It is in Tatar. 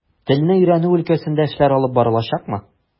Телне өйрәнү өлкәсендә эшләр алып барылачакмы?